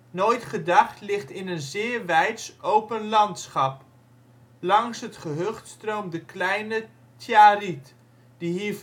Nooitgedacht ligt in een zeer weids open landschap. Langs het gehucht stroomt de kleine Tjariet, die